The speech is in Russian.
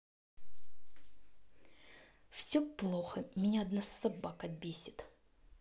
все плохо меня одна собака бесит